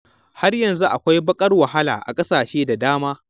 'Har yanzu akwai baƙar wahala a ƙasashe da dama''.